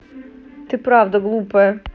ты правда глупая